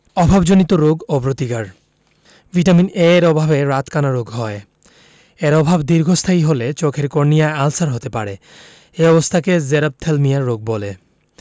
অভাবজনিত রোগ ও প্রতিকার ভিটামিন এ এর অভাবে রাতকানা রোগ হয় এর অভাব দীর্ঘস্থায়ী হলে চোখের কর্নিয়ায় আলসার হতে পারে এ অবস্থাকে জেরপ্থ্যালমিয়া রোগ বলে